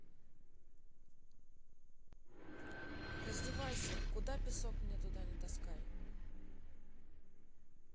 раздевайся куда песок мне туда не таскай